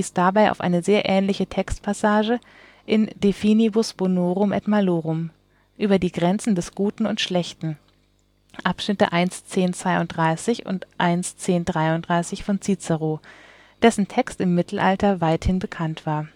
dabei auf eine sehr ähnliche Textpassage in De finibus bonorum et malorum („ Über die Grenzen des Guten und Schlechten “), Abschnitte 1. 10. 32 und 1. 10. 33 von Cicero (45 v. Chr.), dessen Text im Mittelalter weithin bekannt war